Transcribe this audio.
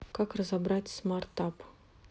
как разработать смартап